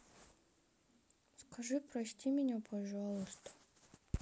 скажи прости меня пожалуйста